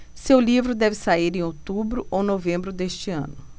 seu livro deve sair em outubro ou novembro deste ano